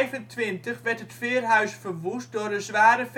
het veerhuis verwoest door een zware